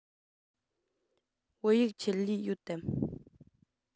བོད ཡིག ཆེད ལས ཡོད དམ